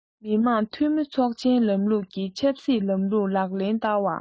མི དམངས འཐུས མི ཚོགས ཆེན ལམ ལུགས ཀྱི ཆབ སྲིད ལམ ལུགས ལག ལེན བསྟར བ